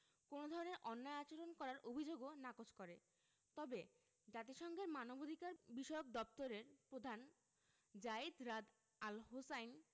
কোনো ধরনের অন্যায় আচরণ করার অভিযোগও নাকচ করে তবে জাতিসংঘের মানবাধিকারবিষয়ক দপ্তরের প্রধান যায়িদ রাদ আল হোসেইন